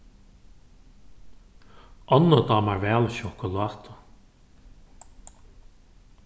onnu dámar væl sjokulátu